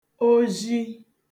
ozhi